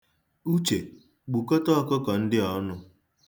Uche, gbukọta ọkụkọ ndị a ọnụ.